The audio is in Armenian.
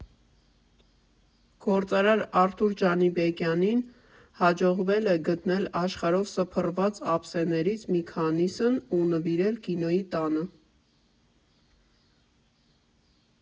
Գործարար Արթուր Ջանիբեկյանին հաջողվել է գտնել աշխարհով սփռված ափսեներից մի քանիսն ու նվիրել Կինոյի տանը։